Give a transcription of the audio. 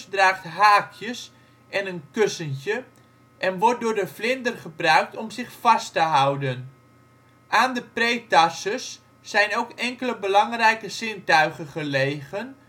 draagt haakjes en een kussentje en wordt door de vlinder gebruikt om zich vast te houden. Aan de pretarsus zijn ook enkele belangrijke zintuigen gelegen